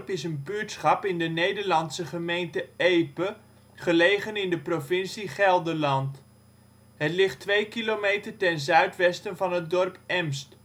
is een buurtschap in de Nederlandse gemeente Epe, gelegen in de provincie Gelderland. Het ligt 2 kilometer ten zuidwesten van het dorp Emst